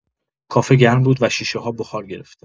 کافه گرم بود و شیشه‌ها بخار گرفته.